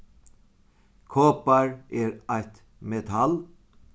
kopar er eitt metal